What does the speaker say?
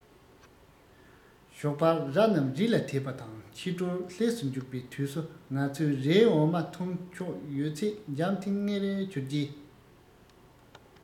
ཞོགས པར ར རྣམས རི ལ དེད པ དང ཕྱི དྲོར ལྷས སུ འཇུག པའི དུས སུ ང ཚོས རའི འོ མ འཐུང ཆོག ཡོད ཚད འཇམ ཐིང ངེར གྱུར རྗེས